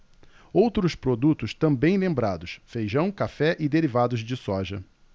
outros produtos também lembrados feijão café e derivados de soja